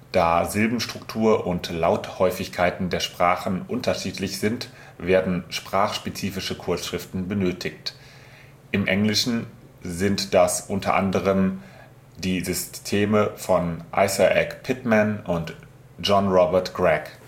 Da Silbenstruktur und Lauthäufigkeiten der Sprachen unterschiedlich sind, werden sprachspezifische Kurzschriften benötigt. Im Englischen sind das u. a. die Systeme von Isaac Pitman und John Robert Gregg